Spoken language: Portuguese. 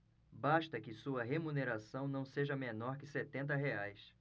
basta que sua remuneração não seja menor que setenta reais